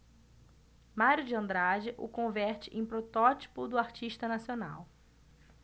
mário de andrade o converte em protótipo do artista nacional